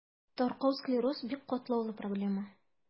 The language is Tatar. Таркау склероз – бик катлаулы проблема.